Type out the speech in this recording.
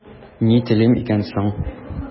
Ни телим икән соң?